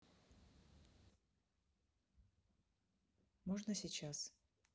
можно сейчас